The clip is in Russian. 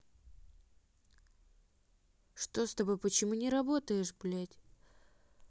что с тобой почему не работаешь блять